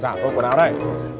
giả tôi quần áo đây